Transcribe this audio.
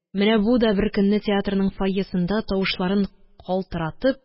Менә бу да беркөнне театрның фойесында, тавышларын калтыратып